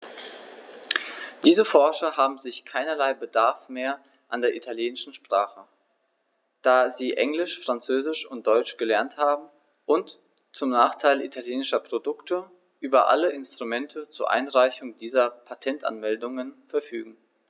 Diese Forscher haben sicher keinerlei Bedarf mehr an der italienischen Sprache, da sie Englisch, Französisch und Deutsch gelernt haben und, zum Nachteil italienischer Produkte, über alle Instrumente zur Einreichung dieser Patentanmeldungen verfügen.